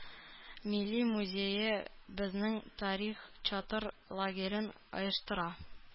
Милли музее Безнең тарих чатыр лагерен оештыра.